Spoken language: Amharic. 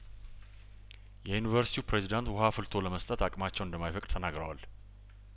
የዩኒቨርስቲው ፕሬዝዳንት ውሀ አፍልቶ ለመስጠት አቅማቸው እንደማይፈቅድ ተናግረዋል